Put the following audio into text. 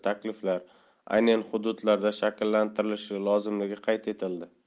takliflar aynan hududlarda shakllantirilishi lozimligi qayd etildi